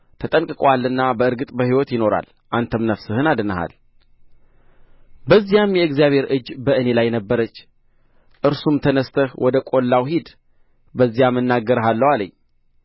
ተጠንቅቆአልና በእርግጥ በሕይወት ይኖራል አንተም ነፍስህን አድነሃል በዚያም የእግዚአብሔር እጅ በእኔ ላይ ነበረች እርሱም ተነሥተህ ወደ ቈላው ሂድ በዚያም እናገርሃለሁ አለኝ